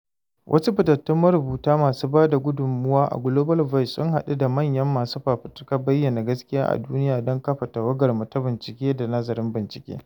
Wasu fitattun marubuta masu ba da gudunmawa a Global Voices sun haɗu da manyan masu fafutukar bayyana gaskiya a duniya don kafa tawagarmu ta bincike da nazarin bincike.